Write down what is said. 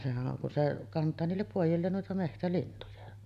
sehän on kun se kantaa niille pojilleen noita metsälintuja